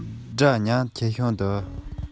སེམས པས འོ མ དཀར པོ ཡང